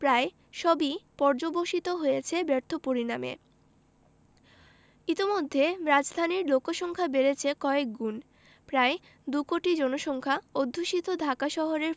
প্রায় সবই পর্যবসিত হয়েছে ব্যর্থ পরিণামে ইতোমধ্যে রাজধানীর লোকসংখ্যা বেড়েছে কয়েকগুণ প্রায় দুকোটি জনসংখ্যা অধ্যুষিত ঢাকা শহরের